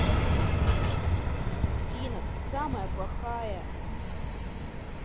афина ты самая плохая